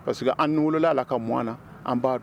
Parce que anu wolol'a la , ka mɔn a na an b'a don.